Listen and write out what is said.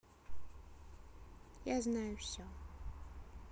я знаю все